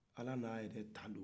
ala y'a yɛrɛ tanu